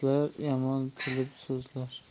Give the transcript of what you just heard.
yomon tilib so'zlar